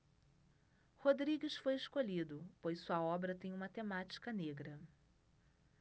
rodrigues foi escolhido pois sua obra tem uma temática negra